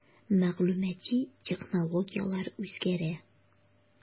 Мәгълүмати технологияләр үзгәрә.